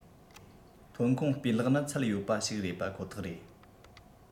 ཐོན ཁུངས སྤུས ལེགས ནི ཚད ཡོད པ ཞིག རེད པ ཁོ ཐག རེད